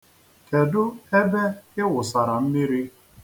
Kedu ebe ị wụsara mmiri?